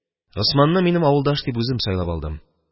Госманны, «минем авылдаш» дип, үзем сайлап алдым.